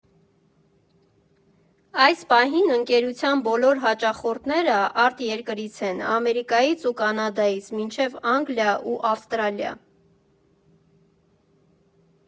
Այս պահին ընկերության բոլոր հաճախորդները արտերկրից են՝ Ամերիկայից ու Կանադայից մինչև Անգլիա ու Ավստրալիա։